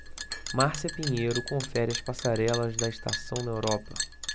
márcia pinheiro confere as passarelas da estação na europa